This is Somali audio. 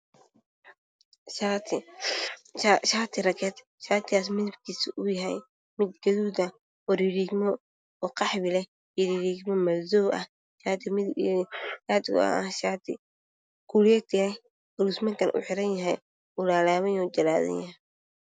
Shati rageed ah kalarkiisu waa guduud ma qarax u ah waxaa xaqiiqo madow ah luus ayuu leeyahay kulalaaban yahay